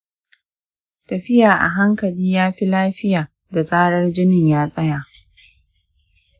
tafiya a hankali yafi lafiya da zarar jinin ya tsaya.